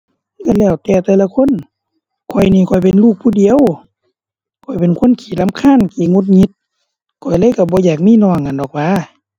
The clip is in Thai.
ก็แล้วแต่แต่ละคน ข้อยนี่ข้อยเป็นลูกผู้เดียว ข้อยเป็นคนขี้รำคาญ ขี้หงุดหงิด ข้อยเลยก็บ่อยากมีน้องหั้นดอกหวา